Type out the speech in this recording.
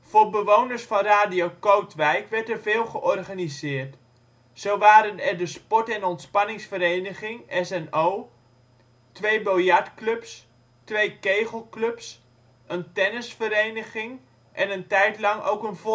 Voor bewoners van Radio Kootwijk werd er veel georganiseerd. Zo waren er de Sport - en Ontspanningsvereniging (S&O), twee biljartclubs, twee kegelclubs, een tennisvereniging, en een tijd lang ook een volleybalvereniging